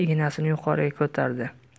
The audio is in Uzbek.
ignasini yuqoriga ko'tardi